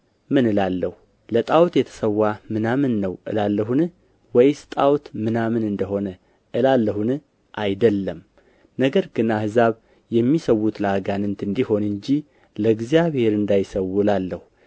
ምን እላለሁ ለጣዖት የተሠዋ ምናምን ነው እላለሁን ወይስ ጣዖት ምናምን እንዲሆን እላለሁን አይደለም ነገር ግን አሕዛብ የሚሠዉት ለአጋንንት እንዲሆን እንጂ ለእግዚአብሔር እንዳይሠዉ እላለሁ